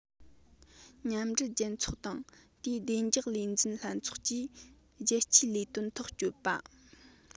མཉམ འབྲེལ རྒྱལ ཚོགས དང དེའི བདེ འཇགས ལས འཛིན ལྷན ཚོགས ཀྱིས རྒྱལ སྤྱིའི ལས དོན ཐག གཅོད པ